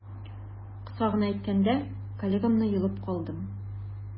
Кыска гына әйткәндә, коллегамны йолып калдым.